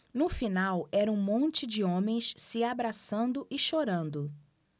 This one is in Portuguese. no final era um monte de homens se abraçando e chorando